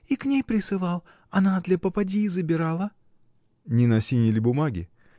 — И к ней присылал: она для попадьи забирала. — Не на синей ли бумаге?